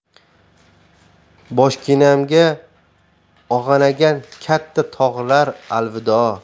boshginamga ag'anagan katta tog'lar alvido